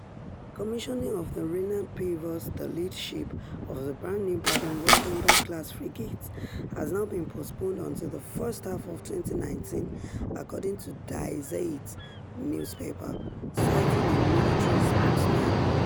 Commissioning of the "Rheinland-Pfalz," the lead ship of the brand new Baden-Wuerttemberg-class frigates, has now been postponed until the first half of 2019, according to Die Zeit newspaper citing a military spokesman.